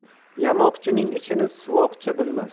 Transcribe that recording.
yamoqchining ishini suvoqchi bilmas